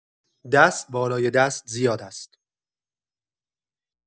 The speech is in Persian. دست بالای دست زیاد است